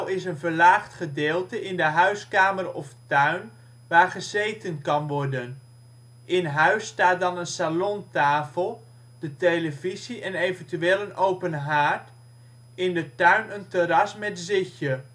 is een verlaagd gedeelte in de huiskamer of tuin waar gezeten kan worden. In huis staat dan een salontafel, de televisie en eventueel een open haard, in de tuin een terras met zitje